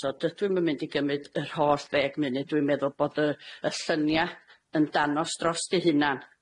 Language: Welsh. So dydw i'm yn mynd i gymyd yr holl ddeg munud, dwi'n meddwl bod y y llynia' yn danos drost eu hunan.